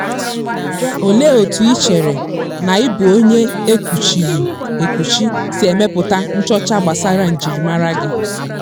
LM: Olee otú i chere na ịbụ onye e kuchiri ekuchi si emetụta nchọcha gbasara njirimara gị?